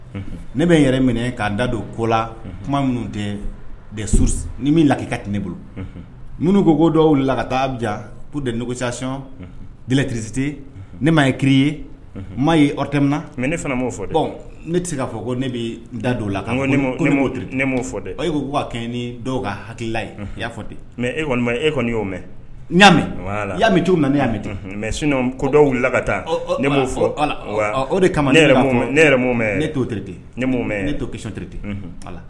Ne bɛ n yɛrɛ minɛ k'a da don ko la kuma minnu tɛ su ni min la ii ka tɛmɛ ne bolo minnu ko ko dɔw la ka taa ja tɛugusiɔnlɛtirisite ne ma ye kiri ye m ye o te na mɛ ne fana m'o fɔ ne tɛ se k'a fɔ ko ne bɛ da don la m'o fɔ dɛ e ko' kɛ ni dɔw ka hakililayi i y'a fɔ ten mɛ e kɔni e kɔni'o mɛn ɲaami yami' na ne y yaa mɛ mɛ sɔn kɔ dɔww laka taa ne'o fɔ o de kama ne ne mɛn ne to ten ne mɛn ne to kire ten